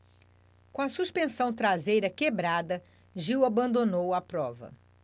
com a suspensão traseira quebrada gil abandonou a prova